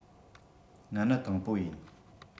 ང ནི དང པོ ཡིན